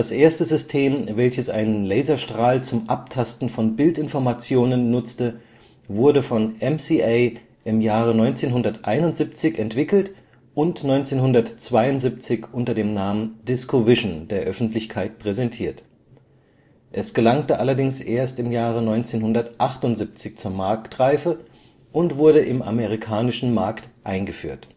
erste System, welches einen Laserstrahl zum Abtasten von Bildinformationen nutzte, wurde von MCA im Jahre 1971 entwickelt und 1972 unter dem Namen DiscoVision der Öffentlichkeit präsentiert. Es gelangte allerdings erst im Jahre 1978 zur Marktreife und wurde im amerikanischen Markt eingeführt